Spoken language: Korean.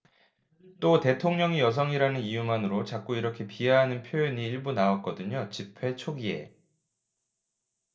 또 대통령이 여성이라는 이유만으로 자꾸 이렇게 비하하는 표현이 일부 나왔거든요 집회 초기에